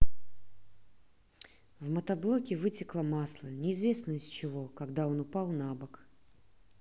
в мотоблоке вытекло масло неизвестно из чего когда он упал набок